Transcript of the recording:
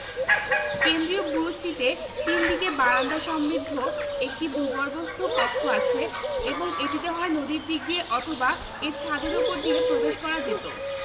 কেন্দ্রীয় বুরুজটিতে তিন দিকে বারান্দা সমৃদ্ধ একটি ভূগর্ভস্থ কক্ষ আছে এবং এটিতে হয় নদীর দিক দিয়ে অথবা এর ছাদের উপর দিয়ে প্রবেশ করা যেত